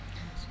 am na solo